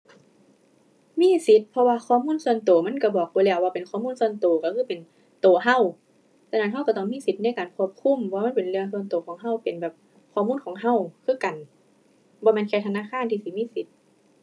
มีสิทธิ์ เพราะว่าข้อมูลส่วนตัวมันตัวบอกไว้แล้วว่าเป็นข้อมูลส่วนตัว ตัวคือเป็นตัวตัว ฉะนั้นตัวตัวต้องมีสิทธิ์ในการควบคุม เพราะมันเป็นเรื่องส่วนตัวของตัว เป็นแบบข้อมูลของตัวคือกัน บ่แม่นแค่ธนาคารที่สิมีสิทธิ์